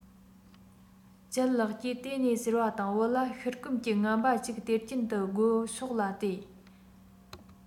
ལྗད ལགས ཀྱིས དེ ནས ཟེར བ དང བུ ལ ཕྱུར སྐོམ གྱི བརྔན པ གཅིག སྟེར གྱིན དུ སྒོ ཕྱོགས ལ བལྟས